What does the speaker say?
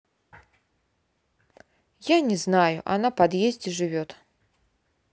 я не знаю она подъезде живет